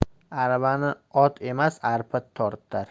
aravani ot emas arpa tortar